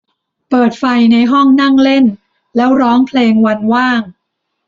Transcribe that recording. เปิดไฟในห้องนั่งเล่นแล้วร้องเพลงวันว่าง